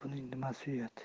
buning nimasi uyat